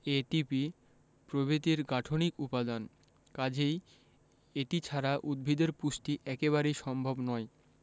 এ T P প্রভৃতির গাঠনিক উপাদান কাজেই এটি ছাড়া উদ্ভিদের পুষ্টি একেবারেই সম্ভব নয়